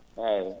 eeyi